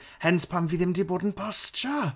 Hence pam fi ddim 'di bod yn postio.